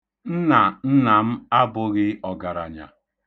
Nna nna m abụghị ọgaranya.